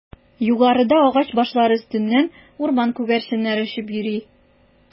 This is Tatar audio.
Югарыда агач башлары өстеннән урман күгәрченнәре очып йөри.